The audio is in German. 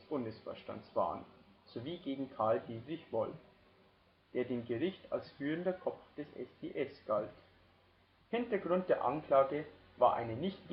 SDS-Bundesvorstands waren, sowie gegen Karl Dietrich Wolff, der dem Gericht als führender Kopf des SDS galt. Hintergrund der Anklage war eine nicht